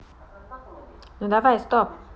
ну давай стоп